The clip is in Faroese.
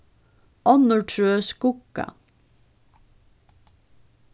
onnur trø skugga